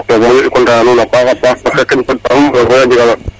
roog moƴu i content na nuun a paxa paax